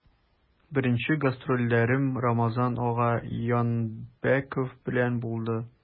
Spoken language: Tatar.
Беренче гастрольләрем Рамазан ага Янбәков белән булды.